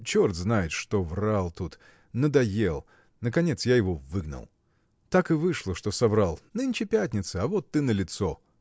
черт знает, что врал тут, надоел; наконец я его выгнал. Так и вышло, что соврал. Нынче пятница, а вот ты налицо!